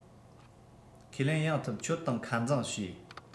ཁས ལེན ཡང ཐུབ ཁྱོད དང ཁ འཛིང བྱས